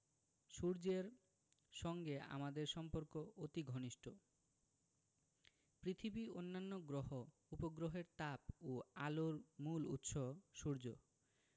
সূর্যের সঙ্গে আমাদের সম্পর্ক অতি ঘনিষ্ট পৃথিবী অন্যান্য গ্রহ উপগ্রহের তাপ ও আলোর মূল উৎস সূর্য